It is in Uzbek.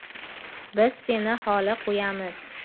biz seni xoli qo'yamiz